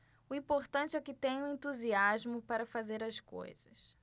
o importante é que tenho entusiasmo para fazer as coisas